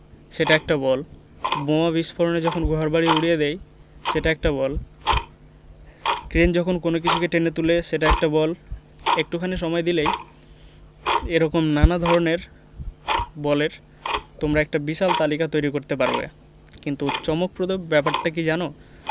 সেটা একটা বল বোমা বিস্ফোরণে যখন ঘরবাড়ি উড়িয়ে দেয় সেটা একটা বল ক্রেন যখন কোনো কিছুকে টেনে তুলে সেটা একটা বল একটুখানি সময় দিলেই এ রকম নানা ধরনের বলের তোমরা একটা বিশাল তালিকা তৈরি করতে পারবে কিন্তু চমকপ্রদ ব্যাপারটি কী জানো